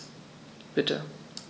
Bitte.